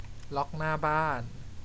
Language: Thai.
ล็อคหน้าบ้าน